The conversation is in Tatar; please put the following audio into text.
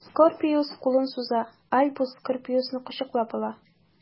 Скорпиус кулын суза, Альбус Скорпиусны кочаклап ала.